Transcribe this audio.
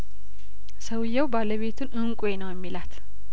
ሰውዬው ባለቤቱን እንቋ ነው የሚላት